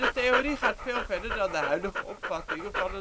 theorie gaat veel verder dan de huidige opvattingen van